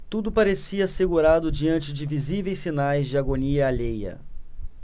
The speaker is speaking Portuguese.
tudo parecia assegurado diante de visíveis sinais de agonia alheia